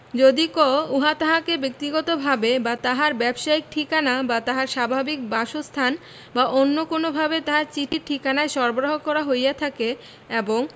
যদি ক উহা তাহাকে বক্তিগতভাবে বা তাহার ব্যবসায়িক ঠিকানা বা তাহার স্বাভাবিক বাসস্থান বা অন্য কোনভাবে তাহার চিঠির ঠিকানায় সরবরাহ করা হইয়া থাকে এবং